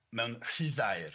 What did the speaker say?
Mewn rhuddair.